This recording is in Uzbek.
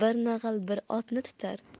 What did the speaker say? bir nag'al bir otni tutar